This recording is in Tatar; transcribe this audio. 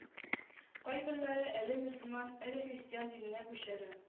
Кайберләре әле мөселман әле христиан диненә күчәләр